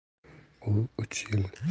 u uch yil